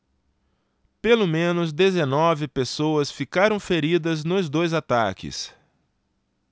pelo menos dezenove pessoas ficaram feridas nos dois ataques